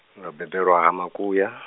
ndo bebelwa Ha Makuya.